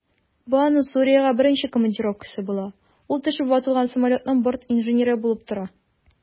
Бу аның Сүриягә беренче командировкасы була, ул төшеп ватылган самолетның бортинженеры булып тора.